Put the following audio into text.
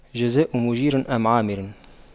جزاء مُجيرِ أُمِّ عامِرٍ